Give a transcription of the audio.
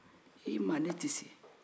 eeh ma' ne tɛ se